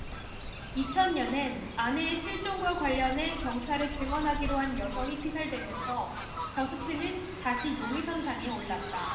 이천 년엔 아내의 실종과 관련해 경찰에 증언하기로 한 여성이 피살되면서 더스트는 다시 용의선상에 올랐다